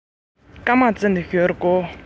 ངས ཁོའི ས ནས གླིང སྒྲུང མང པོ